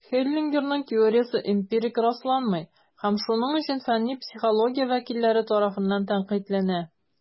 Хеллингерның теориясе эмпирик расланмый, һәм шуның өчен фәнни психология вәкилләре тарафыннан тәнкыйтьләнә.